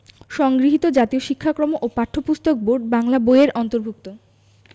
সংগৃহীত জাতীয় শিক্ষাক্রম ও পাঠ্যপুস্তক বোর্ড বাংলা বই এর অন্তর্ভুক্ত